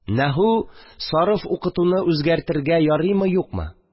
Нәхү, сарыф укытуны үзгәртергә ярыймы, юкмы